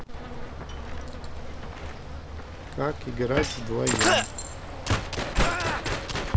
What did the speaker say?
как играть вдвоем